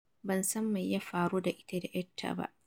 Ban san mai ya faru da ita da ‘ya ta ba.